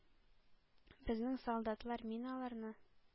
Безнең солдатлар миналарны